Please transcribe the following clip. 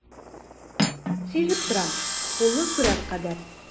Сизеп торам, кулы көрәк кадәр.